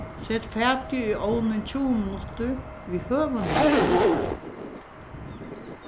set fatið í ovnin í tjúgu minuttir við høgum hita